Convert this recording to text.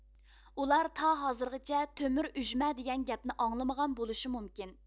ئۇلار تاھازىرغىچە تۆمۈر ئۇژمە دېگەن گەپنى ئاڭلىمىغان بولۇشى مۇمكىن